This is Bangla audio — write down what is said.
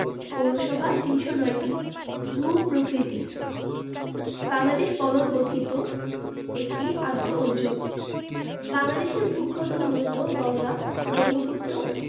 পৌরসভা ৩০৯টি ভূ প্রকৃতিঃ বাংলদেশ পলল গঠিত একটি আর্দ্র অঞ্চল বাংলাদেশের ভূখন্ড মূলত গঙ্গা ব্রহ্মপুত্র